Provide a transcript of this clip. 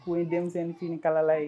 O ye denmisɛnnin f kalala ye